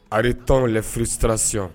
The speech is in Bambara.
Ari tɔn uru siransi